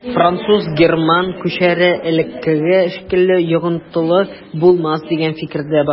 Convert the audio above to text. Француз-герман күчәре элеккеге шикелле йогынтылы булмас дигән фикер дә бар.